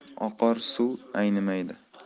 oqar suv aynimaydi